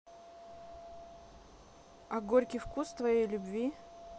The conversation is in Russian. а горький вкус твоей любви